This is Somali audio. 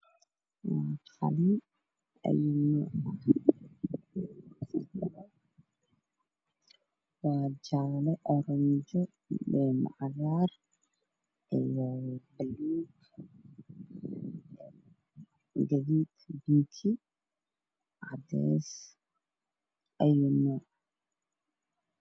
Waa qalin ayunuca ah waa jale orojo cagar baluug gaduud binki cades